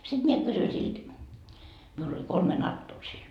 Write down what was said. sitten minä kysyin siltä minulla oli kolme natoa siinä